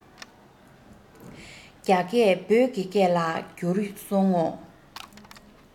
རྒྱ སྐད བོད ཀྱི སྐད ལ འགྱུར སོང ངོ